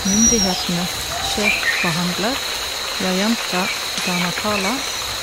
Myndighetenes sjefforhandler , Jayantha Dhanapala,